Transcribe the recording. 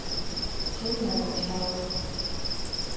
темное начало